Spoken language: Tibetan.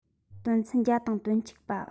དོན ཚན བརྒྱ དང དོན གཅིག པ